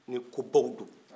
ni ko baw don